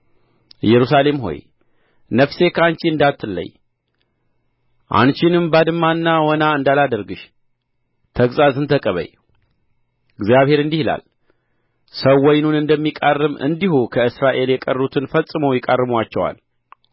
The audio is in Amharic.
ኢየሩሳሌም ሆይ ነፍሴ ከአንቺ እንዳትለይ አንቺንም ባድማና ወና እንዳላደርግሽ ተግሣጽን ተቀበዪ እግዚአብሔር እንዲህ ይላል ሰው ወይኑን እንደሚቃርም እንዲሁ ከእስራኤል የቀሩትን ፈጽሞ ይቃርሙአቸዋል